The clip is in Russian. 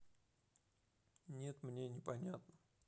нет мне непонятно